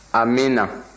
amiina